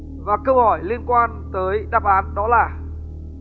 và câu hỏi liên quan tới đáp án đó là